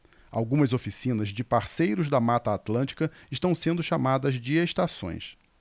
algumas oficinas de parceiros da mata atlântica estão sendo chamadas de estações